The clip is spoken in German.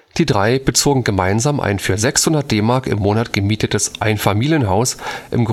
Die Drei bezogen gemeinsam ein für 600 DM im Monat gemietetes Einfamilienhaus im